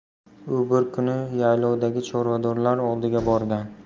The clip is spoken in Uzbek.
u bir kuni yaylovdagi chorvadorlar oldiga borgan